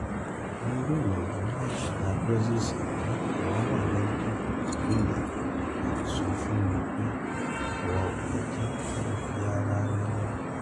Wọ́n ń gbìyànjù láti da Brexit àmọ́ àwa wà níbí lónìí láti sọ fún wọn pé,' Àwa ò ní jẹ́ kí ẹ fi ara re lọ'.